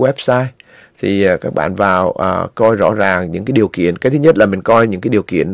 goép sai thì các bạn vào à coi rõ ràng những điều kiện thứ nhất là mình coi những cái điều kiện nó